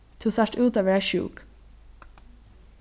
tú sært út at vera sjúk